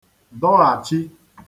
dọghàchi